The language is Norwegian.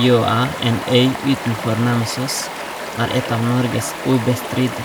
Jøa, en øy utenfor Namsos, er et av Norges ubestridt